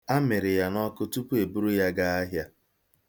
A mịrị ya n'ọkụ tupu e buru ya gaa ahịa.